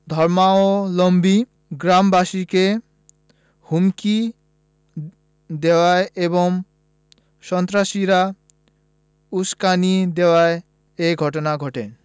ধর্মাবলম্বী গ্রামবাসীকে হুমকি দেওয়ায় এবং সন্ত্রাসীরা উসকানি দেওয়ায় এ ঘটনা ঘটে